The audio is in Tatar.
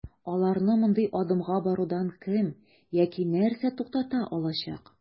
Аларны мондый адымга барудан кем яки нәрсә туктата алачак?